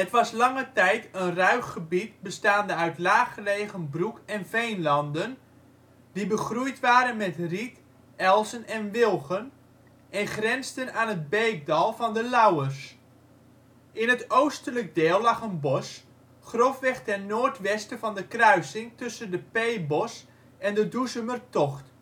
was lange tijd een ruig gebied bestaande uit laaggelegen broek - en veenlanden, die begroeid waren met riet, elzen en wilgen en grensden aan het beekdal van de Lauwers. In het oostelijk deel lag een bos, grofweg ten noordwesten van de kruising tussen de Peebos en de Doezumertocht